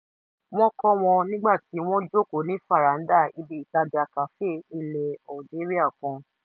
Wọ́n kó wọn nígbà tí wọ́n jókòó ní fàráńdà ibi ìtajà cafe ilẹ̀ Algeria Kan.